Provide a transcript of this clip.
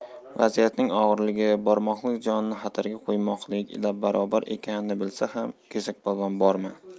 vaziyatning og'irligi bormoqlik jonni xatarga qo'ymoqlik ila barobar ekanini bilsa ham kesakpolvon borma